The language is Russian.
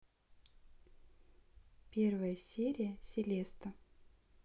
первая серия селеста